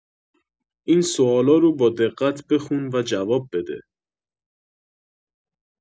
این سوالا رو با دقت بخون و جواب بده